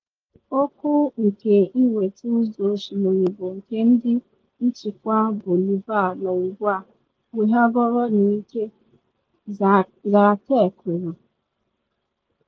“Okwu nke ịnweta ụzọ osimiri bụ nke ndị nchịkwa Bolivia nọ ugbu a weghagoro n’ike,” Zárate kwuru.